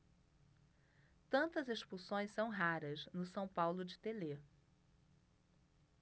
tantas expulsões são raras no são paulo de telê